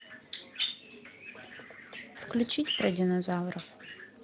включить про динозавров